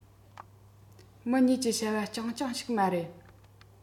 མི གཉིས ཀྱི བྱ བ རྐྱང རྐྱང ཞིག མ རེད